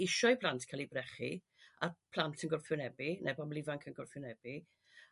isio'u plant cael 'u brechu a plant yn gwrthwynebu ne' pobl ifanc yn gwrthwynebu